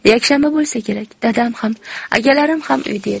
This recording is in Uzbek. yakshanba bo'lsa kerak dadam ham akalarim ham uyda edi